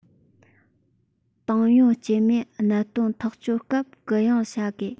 ཏང ཡོན དཀྱུས མའི གནད དོན ཐག གཅོད སྐབས གུ ཡངས བྱ དགོས